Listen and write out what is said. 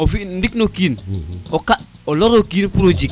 o fi i ndiki o kiin o ka o loro kiin pour o jeg